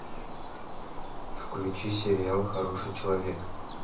включи сериал хороший человек